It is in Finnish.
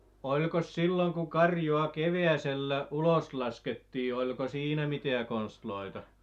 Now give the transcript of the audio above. olikos silloin kun karjaa keväisillä ulos laskettiin oliko siinä mitään konsteja